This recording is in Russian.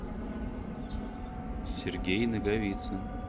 сергей наговицын